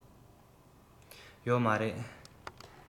ཡོད མ རེད